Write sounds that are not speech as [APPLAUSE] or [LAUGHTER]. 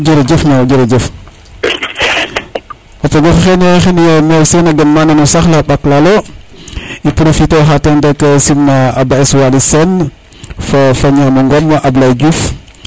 jerejef jerejef [NOISE] o pogoxe na xen wa a gen mana saax la ɓak lalo i profiter oxa ten rek simna a be es Waly Sene fo ñam Ngom fo mbaye Diouf